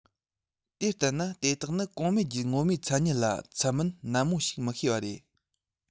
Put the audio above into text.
དེ ལྟ ན དེ དག ནི གོང སྨྲས རྒྱུད ངོ མའི མཚན ཉིད ལ འཚམ མིན ནན མོ ཞིག མི ཤེས པ རེད